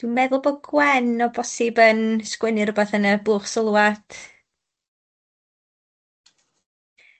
Dwi'n meddwl bod Gwen o bosib yn sgwennu rwbeth yn y bwlch sylwad.